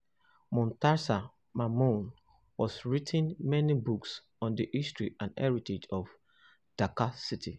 Muntasir Mamun has written many books on the history and heritage of Dhaka city.